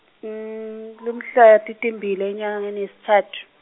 lamuhla timbili enyangeni yesitsatfu.